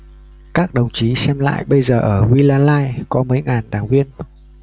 các đồng chí xem lại bây giờ ở vinalines có mấy ngàn đảng viên